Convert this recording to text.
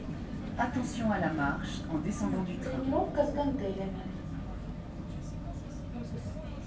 тренировка с гантелями